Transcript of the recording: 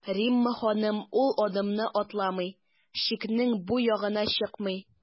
Римма ханым ул адымны атламый, чикнең бу ягына чыкмый.